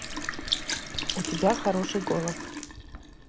у тебя хороший голос